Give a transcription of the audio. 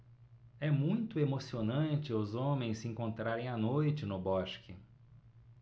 é muito emocionante os homens se encontrarem à noite no bosque